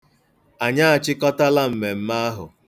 Anyị achịkọtala mmemme ahụ.